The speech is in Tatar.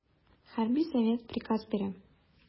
Хәрби совет приказ бирә.